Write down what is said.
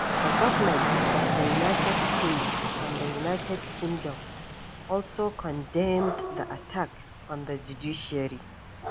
The governments of the United States and the United Kingdom also condemned the attack on the judiciary.